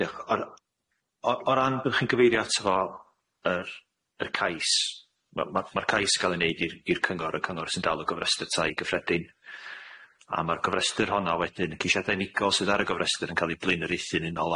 Diolch. O' r- o' r- o ran dy chi'n gyfeirio ato yr y cais ma' ma' ma'r cais yn ca'l ei wneud i'r i'r cyngor y cyngor sy'n dal y gofresty'r tai gyffredin a ma'r gofresty'r honna wedyn yn ceisiadau unigol sydd ar y gyfresty'r yn ca'l i blyn yr eithin yn ôl